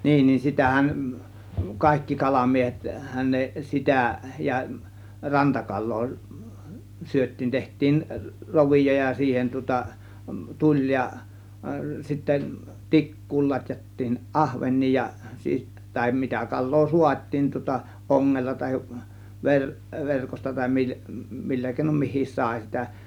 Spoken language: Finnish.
niin niin sitähän kaikki kalamiehethän ne sitä ja rantakalaa syötiin tehtiin rovio ja siihen tuota tuli ja sitten tikkuun latjattiin ahvenia ja - tai mitä kalaa saatiin tuota ongella tai - verkosta tai - millä keinoin mikin sai sitä